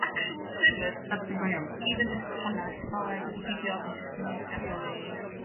actual llyfyr... Darllen go iawn. ...even jyst hannar tudalan dwi 'di ffeindio ma' jyst yn neud llygada' fi